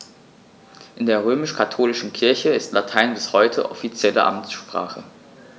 In der römisch-katholischen Kirche ist Latein bis heute offizielle Amtssprache.